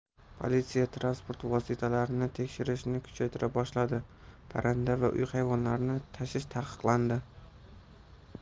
politsiya transport vositalarini tekshirishni kuchaytira boshladi parranda va uy hayvonlarini tashish taqiqlandi